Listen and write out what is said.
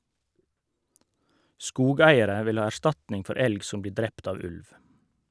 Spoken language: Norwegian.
Skogeiere vil ha erstatning for elg som blir drept av ulv.